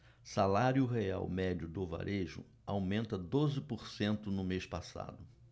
salário real médio do varejo aumenta doze por cento no mês passado